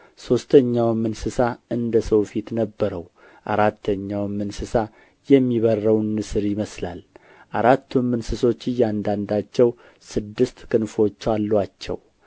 ሦስተኛውም እንስሳ እንደ ሰው ፊት ነበረው አራተኛውም እንስሳ የሚበረውን ንስር ይመስላል አራቱም እንስሶች እያንዳንዳቸው ስድስት ክንፎች አሉአቸው